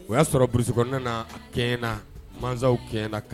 O y'a sɔrɔ brousse kɔnɔna na mansaw kɛɲɛna